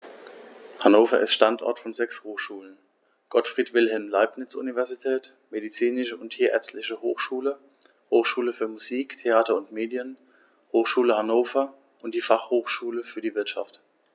Hannover ist Standort von sechs Hochschulen: Gottfried Wilhelm Leibniz Universität, Medizinische und Tierärztliche Hochschule, Hochschule für Musik, Theater und Medien, Hochschule Hannover und die Fachhochschule für die Wirtschaft.